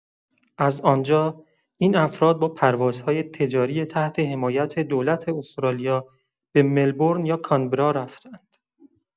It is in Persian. از آنجا، این افراد با پروازهای تجاری تحت حمایت دولت استرالیا به ملبورن یا کانبرا رفتند.